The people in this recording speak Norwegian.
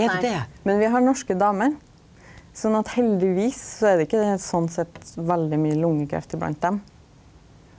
nei, men vi har norske damer sånn at heldigvis så er det ikkje sånn sett veldig mykje lungekreft iblant dei.